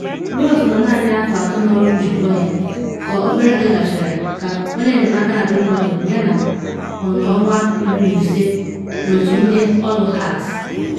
Ross nọ naanị afọ atọ n’ọrụ njikwa ya, ka obere oge gachara ka onye enyemaka na Dumbarton yana ọnụnọ ọnwa 15 n’otu ndị ọrụ Hearts.